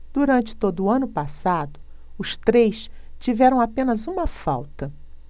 durante todo o ano passado os três tiveram apenas uma falta